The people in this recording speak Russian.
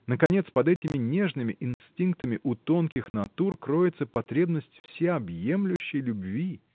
Наконец, под этими нежными инстинктами у тонких натур кроется потребность всеобъемлющей любви!